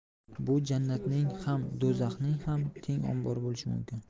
bu jannatning ham do'zaxning ham teng ombori bo'lishi mumkin